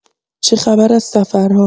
چه خبر از سفرها؟